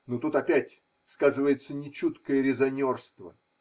Но тут опять сказывается нечуткое резонерство.